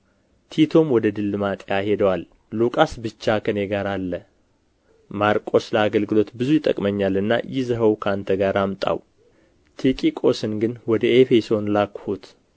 ቲቶም ወደ ድልማጥያ ሄደዋል ሉቃስ ብቻ ከእኔ ጋር አለ ማርቆስ ለአገልግሎት ብዙ ይጠቅመኛልና ይዘኸው ከአንተ ጋር አምጣው ቲኪቆስን ግን ወደ ኤፌሶን ላክሁት